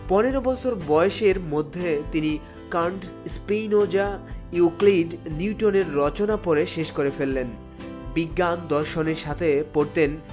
১৫ বছর বয়সের মধ্যে তিনি কান্টস্পিনোজা ইউক্লিড নিউটনের রচনা পড়ে শেষ করে ফেললেন বিজ্ঞান দর্শন এর সাথে পড়তেন